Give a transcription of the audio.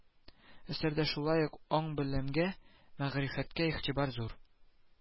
Әсәрдә шулай ук аң-белемгә, мәгърифәткә игътибар зур